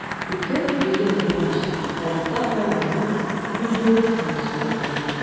Күке, билгеле булганча, халыкта кайгыны, моңлылыкны сурәтли.